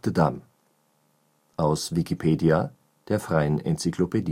Dam, aus Wikipedia, der freien Enzyklopädie